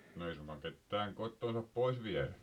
no ei suinkaan ketään kotoansa pois viedä